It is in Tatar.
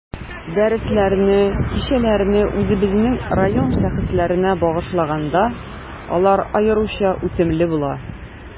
Дәресләрне, кичәләрне үзебезнең район шәхесләренә багышлаганда, алар аеруча үтемле була.